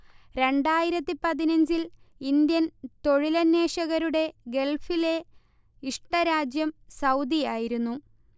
രണ്ടായിരത്തി പതിനഞ്ചിൽ ഇന്ത്യൻ തൊഴിലന്വേഷകരുടെ ഗൾഫിലെ ഇഷ്ട രാജ്യം സൗദിയായിരുന്നു